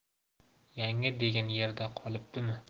yanga degan yerda qolibdimi